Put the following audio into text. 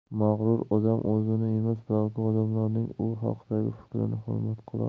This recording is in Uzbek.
mag'rur odam o'zini emas balki odamlarning u haqdagi fikrini hurmat qiladi